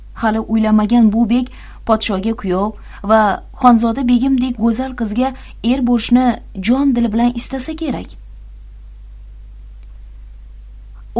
hali uylanmagan bu bek podshoga kuyov va xonzoda begimdek go'zal qizga er bo'lishni jon dili bilan istasa kerak